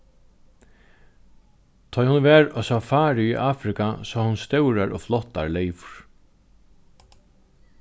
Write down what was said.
tá ið hon var á safari í afrika sá hon stórar og flottar leyvur